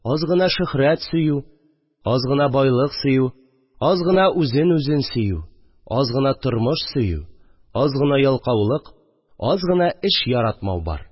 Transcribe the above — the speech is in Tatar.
Аз гына шөһрәт сөю, аз гына байлык сөю , аз гына үзен үзе сөю, аз гына тормыш сөю, аз гына ялкаулык, аз гына эш яратмау бар